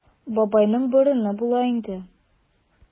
Бабайның борыны була инде.